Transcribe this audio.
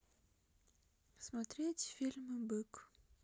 смотреть фильм бык